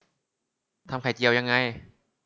ทำไข่เจียวยังไง